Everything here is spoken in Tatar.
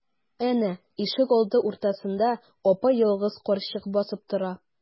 Әнә, ишегалды уртасында япа-ялгыз карчык басып тора.